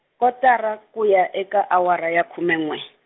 kotara ku ya eka awara ya khume n'we.